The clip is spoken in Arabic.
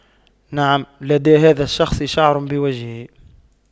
نعم لدى هذا الشخص شعر بوجهه